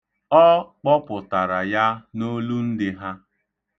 Ọ kpọpụtara ya n'olundị ha.